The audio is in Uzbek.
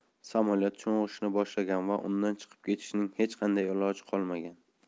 samolyot sho'ng'ishni boshlagan va undan chiqib ketishning hech qanday iloji qolmagan